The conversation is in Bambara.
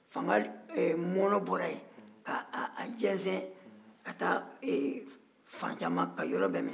fanga mɔɔnɔbɔra yen k'a jɛnsɛn ka yɔrɔ bɛɛ minɛ